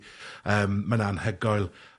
yym, ma'n anhygoel.